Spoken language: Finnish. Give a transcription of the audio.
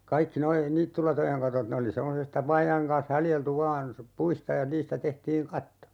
kaikki nuo niittylatojen katot ne oli semmoisesta vaajojen kanssa haljeltu vain puista ja niistä tehtiin katto